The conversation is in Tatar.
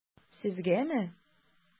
Сезгәме?